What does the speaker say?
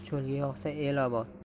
cho'lga yog'sa el obod